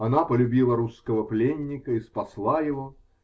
Она полюбила русского пленника и спасла его.